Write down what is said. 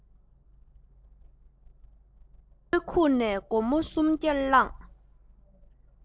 དངུལ ཁུག ནས སྒོར མོ གསུམ བརྒྱ བླངས